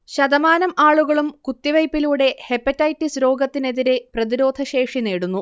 ശതമാനം ആളുകളും കുത്തിവെയ്പിലൂടെ ഹെപ്പറ്റൈറ്റിസ് രോഗത്തിനെതിരെ പ്രതിരോധശേഷി നേടുന്നു